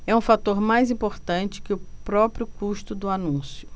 é um fator mais importante que o próprio custo do anúncio